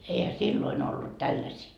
eihän silloin ollut tällaisia